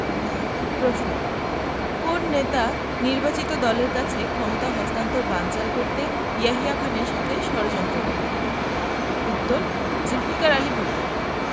প্রশ্ন কোন নেতা নির্বাচিত দলের কাছে ক্ষমতা হস্তান্তর বানচাল করতে ইয়াহিয়া খানের সাথে ষড়যন্ত্র করেন উত্তর জুলফিকার আলী ভুট্ট